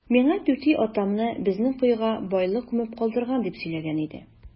Миңа түти атамны безнең коега байлык күмеп калдырган дип сөйләгән иде.